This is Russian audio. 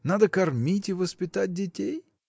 Надо кормить и воспитать детей?